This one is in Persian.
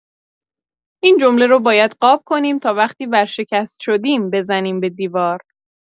این جمله رو باید قاب کنیم تا وقتی ورشکست شدیم، بزنیم به دیوار.